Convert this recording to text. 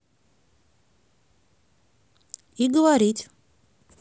и говорить